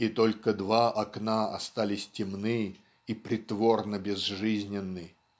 и только два окна остались темны и притворно-безжизненны"